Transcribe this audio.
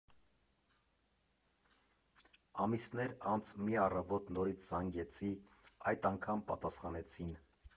Ամիսներ անց մի առավոտ նորից զանգեցի՝ այդ անգամ պատասխանեցին։